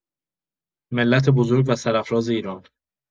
ملت بزرگ و سرفراز ایران